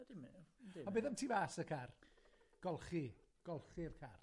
l. Ond beth am tu fas y car, golchi, golchi'r car.